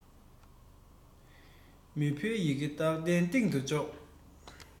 མི ཕོའི ཡི གེ སྟག གདན སྟེང དུ འཇོག